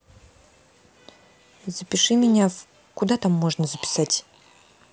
запиши меня в куда там можно написать